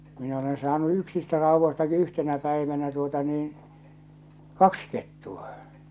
minä olen saanut yksistä raudoistakin yhtenä päivänä tuota niin kaksi kettua